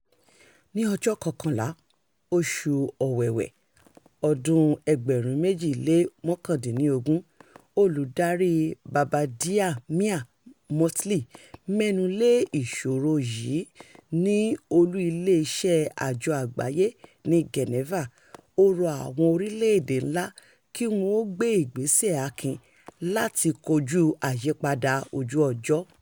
Ní ọjọ́ 11, oṣù Ọ̀wẹwẹ̀, ọdún-un 2019, Olùdarí Barbadia Mia Mottley mẹ́nu lé ìṣòro yìí ní olú iléeṣẹ́ Àjọ Àgbáyé ní Geneva, ó ń rọ àwọn orílẹ̀-èdè ńlá kí wọn ó gbé ìgbésẹ̀ akin láti kọjúu àyípadà ojú-ọjọ́.